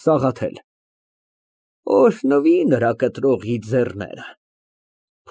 ՍԱՂԱԹԵԼ ֊ Օրհնվի նրա կտրողի ձեռները։